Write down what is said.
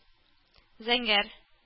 Зәңгәр